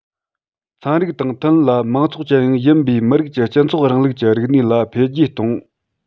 ཚན རིག དང མཐུན ལ མང ཚོགས ཅན ཡང ཡིན པའི མི རིགས ཀྱི སྤྱི ཚོགས རིང ལུགས ཀྱི རིག གནས ལ འཕེལ རྒྱས གཏོང